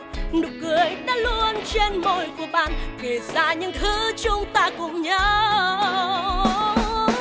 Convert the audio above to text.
nụ cười đã luôn trên môi của bạn kể ra những thứ chúng ta cùng nhau